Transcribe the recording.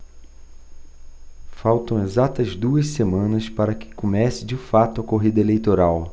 faltam exatas duas semanas para que comece de fato a corrida eleitoral